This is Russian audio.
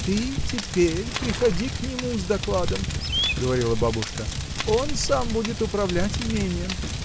— Ты теперь приходи к нему с докладом, — говорила бабушка, — он сам будет управлять имением.